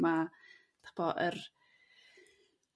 ma' efo yr